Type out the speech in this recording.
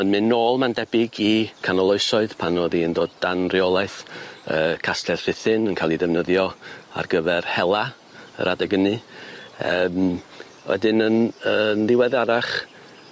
Yn myn' nôl ma'n debyg i canol oesoedd pan o'dd 'i'n dod dan reolaeth yy castell Rhuthun yn ca'l 'i ddefnyddio ar gyfer hela yr adeg ynni yym wedyn yn yn diweddarach